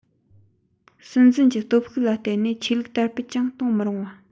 སྲིད འཛིན གྱི སྟོབས ཤུགས ལ བརྟེན ནས ཆོས ལུགས དར སྤེལ ཀྱང གཏོང མི རུང བ